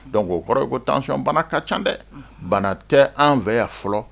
Donc o kɔrɔ ye tension bana ka caa dɛ bana tɛ an fɛ yan fɔlɔ,